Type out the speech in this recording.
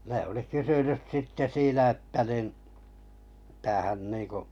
ne oli kysynyt sitten siinä että niin mitä hän niin kuin